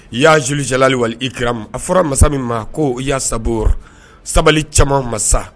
I y'ajjɛli wa ikira a fɔra masa min ma ko i y'asa sabali caman masa